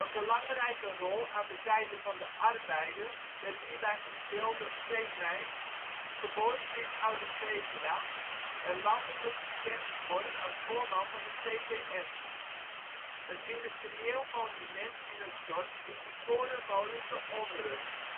belangrijke rol aan de zijde van de arbeider werd hierbij gespeeld door Fré Meis, geboren in Oude Pekela en landelijk bekend geworden als voorman van de CPN. Een industrieel monument in het dorp is de korenmolen De Onrust